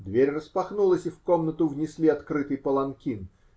Дверь распахнулась, и в комнату внесли открытый паланкин.